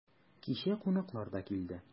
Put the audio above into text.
Кичә кунаклар да килде.